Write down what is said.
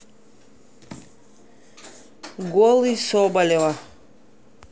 голы соболева